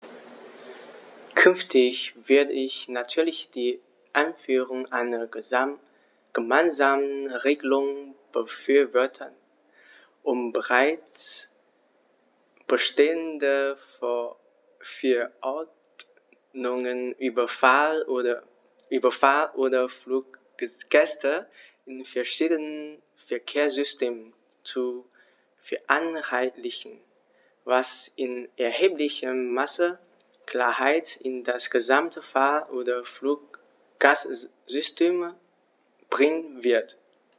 Künftig würde ich natürlich die Einführung einer gemeinsamen Regelung befürworten, um bereits bestehende Verordnungen über Fahr- oder Fluggäste in verschiedenen Verkehrssystemen zu vereinheitlichen, was in erheblichem Maße Klarheit in das gesamte Fahr- oder Fluggastsystem bringen wird.